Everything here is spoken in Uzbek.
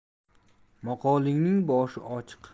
maqolning boshi ochiq